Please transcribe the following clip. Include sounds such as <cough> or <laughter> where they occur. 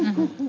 <hesitation> <hesitation>